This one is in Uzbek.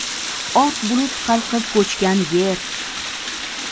oq bulut qalqib ko'chgan yer